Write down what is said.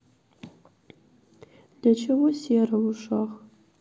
для чего сера в ушах